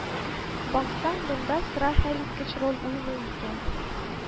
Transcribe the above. Баксаң, монда сыра хәлиткеч роль уйный икән